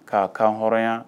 K'a kanan hɔrɔnya